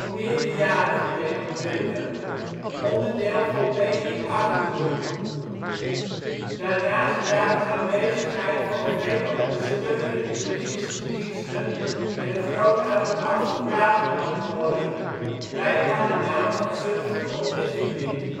meerderjarige deliquenten), onderdeel van PI Achterhoek. Daarnaast draagt de aanwezigheid van vele ondersteunende juridische diensten en een groot aantal advocatenkantoren bij aan de naam van Zutphen op dit gebied